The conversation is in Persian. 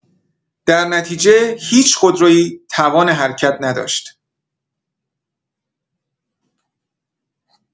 در نتیجه هیچ خودرویی توان حرکت نداشت.